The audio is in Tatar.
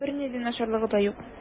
Бернинди начарлыгы да юк.